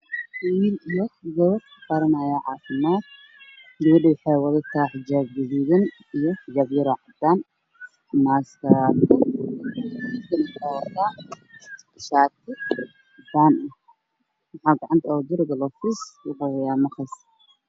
Wiil iyo gabar baranayo caafimaad. Gabadhu waxay wadataa xijaab gaduudan iyo xijaab yar oo cad, masar, saako cadaan ah waxaa gacanta ugu jiro galoofis cadaan ah.